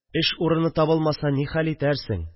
Эш урыны табылмаса, нихәл итәрсең